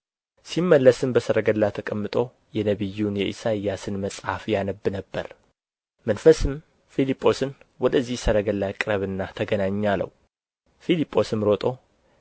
ሲመለስም በሰረገላ ተቀምጦ የነቢዩን የኢሳይያስን መጽሐፍ ያነብ ነበር መንፈስም ፊልጶስን ወደዚህ ሰረገላ ቅረብና ተገናኝ አለው ፊልጶስም ሮጦ